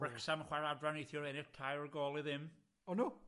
Wrecsam, chwara adra neithiwr ennill tair gôl i ddim. O'n nw?